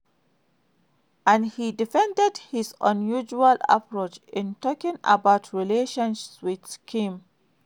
And he defended his unusual approach in talking about relations with Kim.